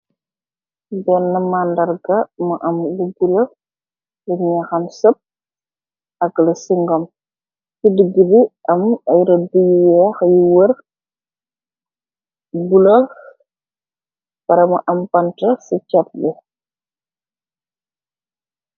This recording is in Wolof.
benn màndarga mu am lu gure liñu xam sepp ak la singom fidt gi bi am ay rëbiyeex yu wër gula barama am pante ci cat bi